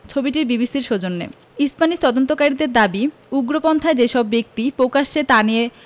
ছবিটি বিবিসির সৌজন্যে স্প্যানিশ তদন্তকারীদের দাবি উগ্রপন্থায় যেসব ব্যক্তি প্রকাশ্যে তা নিয়ে